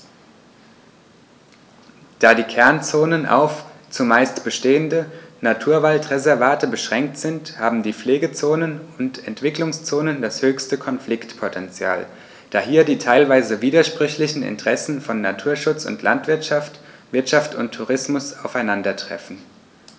Da die Kernzonen auf – zumeist bestehende – Naturwaldreservate beschränkt sind, haben die Pflegezonen und Entwicklungszonen das höchste Konfliktpotential, da hier die teilweise widersprüchlichen Interessen von Naturschutz und Landwirtschaft, Wirtschaft und Tourismus aufeinandertreffen.